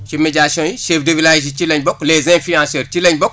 ci médiations yi chefs de villages yi ci lañ bokk ak les influenceurs ci lañ bokk